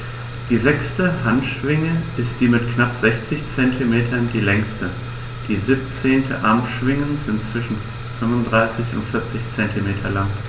Die sechste Handschwinge ist mit knapp 60 cm die längste. Die 17 Armschwingen sind zwischen 35 und 40 cm lang.